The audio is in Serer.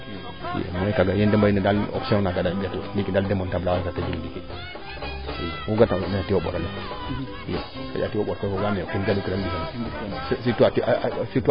ande kaaga ye de mbadiid na daal option naaga i mbexeyu ndiiki daal demontable a refa tel ndiiki i oxu garat na i monter i xaƴa o kiin gadu kiran mbisan